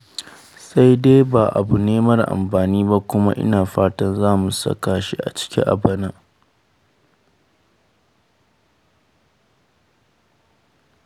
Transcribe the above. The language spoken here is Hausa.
Sai dai ba abu ne mara amfani ba kuma ina fatan za mu saka shi a ciki a bana!